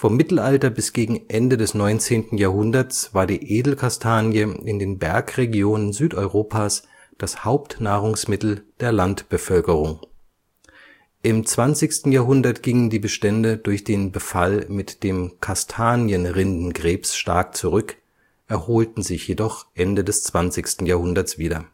Mittelalter bis gegen Ende des 19. Jahrhunderts war die Edelkastanie in den Bergregionen Südeuropas das Hauptnahrungsmittel der Landbevölkerung. Im 20. Jahrhundert gingen die Bestände durch den Befall mit dem Kastanienrindenkrebs stark zurück, erholten sich jedoch Ende des 20. Jahrhunderts wieder